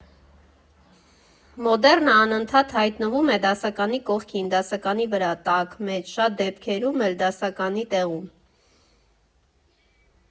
Մոդեռնը անընդհատ հայտնվում է դասականի կողքին, դասականի վրա տակ մեջ, շատ դեպքերում էլ՝ դասականի տեղում։